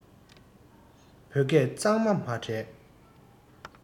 བོད སྐད གཙང མ མ བྲལ